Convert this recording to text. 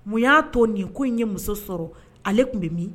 Mun y'a tɔ nin ko in ye muso sɔrɔ ale tun bɛ min